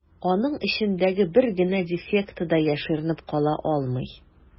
Аның эчендәге бер генә дефекты да яшеренеп кала алмый.